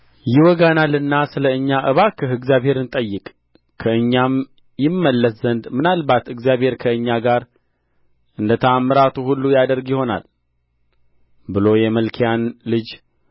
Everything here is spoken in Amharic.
ይወጋናልና ስለ እኛ እባክህ እግዚአብሔርን ጠይቅ ከእኛም ይመለስ ዘንድ ምናልባት እግዚአብሔር ከእኛ ጋር እንደ ተአምራቱ ሁሉ ያደርግ ይሆናል ብሎ የመልክያን ልጅ